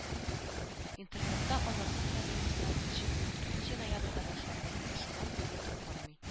Интернетта Азатлык радиосына һөҗүм ундүртенче ноябрьдә башланды һәм шуннан бирле тукталмый.